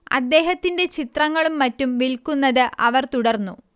അദ്ദേഹത്തിന്റെ ചിത്രങ്ങളും മറ്റും വിൽക്കുന്നത് അവർ തുടർന്നു